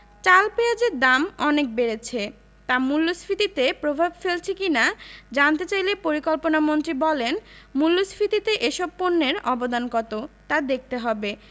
চাল পেঁয়াজের দাম অনেক বেড়েছে তা মূল্যস্ফীতিতে প্রভাব ফেলছে কি না জানতে চাইলে পরিকল্পনামন্ত্রী বলেন মূল্যস্ফীতিতে এসব পণ্যের অবদান কত তা দেখতে হবে